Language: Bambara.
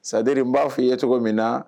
Sadiri n b'a f fɔ ii ye cogo min na